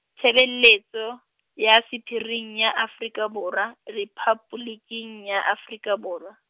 Tshebeletso, ya Sephiring ya Afrika Borwa, Rephaboliki ya Afrika Borwa.